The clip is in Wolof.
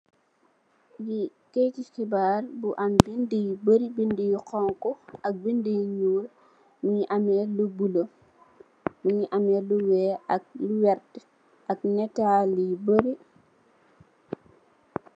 Li kayiti xibarr bu am bindé yu bari, bindé yu xonxu ak bindé yu ñuul mugii ameh lu bula, mugii ameh lu wèèx ak lu werta ak nital yu barri.